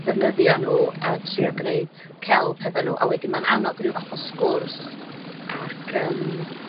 ddefnyddio nw a trio gneud celf hefo nw, a wedyn ma'n annog ryw fath o sgwrs ac yym